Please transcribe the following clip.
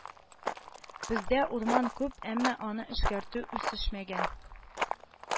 Бездә урман күп, әмма аны эшкәртү үсешмәгән